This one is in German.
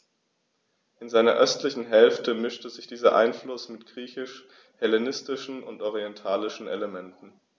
In seiner östlichen Hälfte mischte sich dieser Einfluss mit griechisch-hellenistischen und orientalischen Elementen.